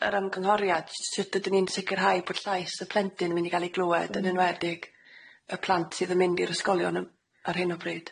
yr ymgynghoriad shwt fydden ni'n sicirhau bod llais y plentyn yn myn' i ga'l ei glywed, yn enwedig y plant sydd yn mynd i'r ysgolion yym ar hyn o bryd?